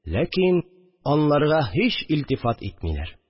Ләкин аларга һич илтифат итмиләр